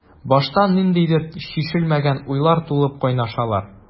Башта ниндидер чишелмәгән уйлар тулып кайнашалар.